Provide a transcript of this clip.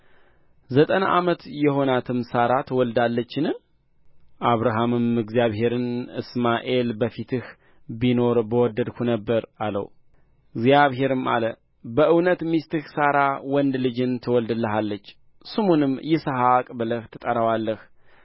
ዘጠና ዓመት የሆናትም ሣራ ትወልዳለችን አብርሃምም እግዚአብሔርን እስማኤል በፊትህ ቢኖር በወደድሁ ነበር አለው እግዚአብሔርም አለ በእውነት ሚስትህ ሣራ ወንድ ልጅን ትወልድልሃለች ስሙንም ይስሐቅ ብለህ ትጠራዋለህ